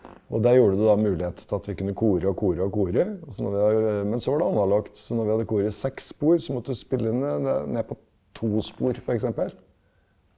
og der gjorde det da mulighet til at vi kunne kore og kore og kore, også når vi men så var det analogt, så når vi hadde koret seks spor så måtte du spille ned det ned på to spor for eksempel.